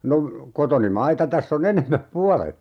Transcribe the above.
no kotoni maita tässä on enemmät puolet